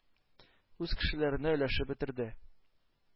Үз кешеләренә өләшеп бетерде.